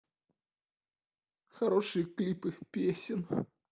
хорошие клипы песен